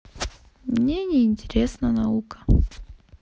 мне не интересна наука